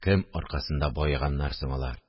– кем аркасында баеганнар соң алар